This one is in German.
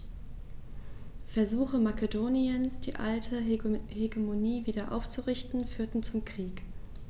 Versuche Makedoniens, die alte Hegemonie wieder aufzurichten, führten zum Krieg.